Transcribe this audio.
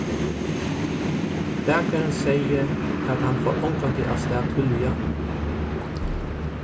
bakarin segði at hann fór ongantíð avstað tíðliga